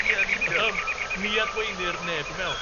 Ie ni'n siŵr. Yym ni adweinir neb i mewn.